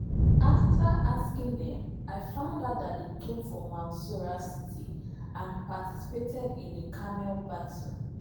After asking them, I found out that they came from Mansoura city and participated in the “Camel Battle”.